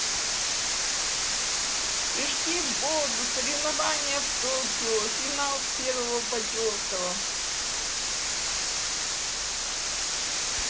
прыжки в воду соревнования в токио финал с первого потертого